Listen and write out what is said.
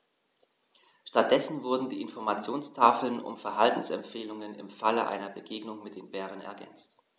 Stattdessen wurden die Informationstafeln um Verhaltensempfehlungen im Falle einer Begegnung mit dem Bären ergänzt.